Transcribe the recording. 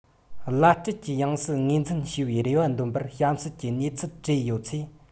བླ སྤྲུལ གྱི ཡང སྲིད ངོས འཛིན ཞུ བའི རེ བ འདོན པར གཤམ གསལ གྱི གནས ཚུལ གྲས ཡོད ཚེ